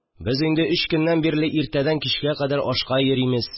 Без инде өч көннән бирле иртәдән кичкә кадәр ашка йөримез